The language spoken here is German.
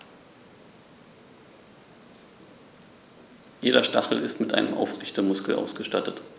Jeder Stachel ist mit einem Aufrichtemuskel ausgestattet.